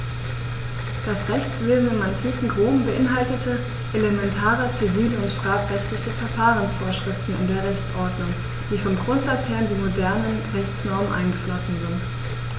Das Rechtswesen im antiken Rom beinhaltete elementare zivil- und strafrechtliche Verfahrensvorschriften in der Rechtsordnung, die vom Grundsatz her in die modernen Rechtsnormen eingeflossen sind.